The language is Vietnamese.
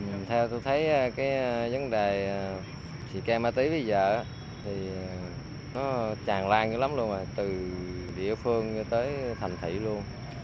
theo tôi thấy cái vấn đề à xì ke ma túy bây giờ á thì nó tràn lan dữ lắm luôn rồi từ địa phương cho tới thành thị luôn